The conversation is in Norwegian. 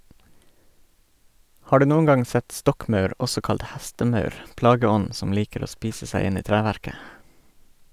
Har du noen gang sett stokkmaur, også kalt hestemaur, plageånden som liker å spise seg inn i treverket?